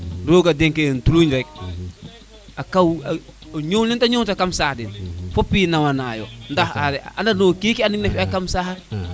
roga denki in tuluuñ rek a kaw o ñowole te ñoow ta kam saax den fop ina nawa na yo ndax anando kene te fiya kam saaxe